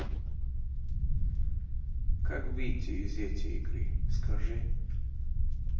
как выйти из этой игры скажи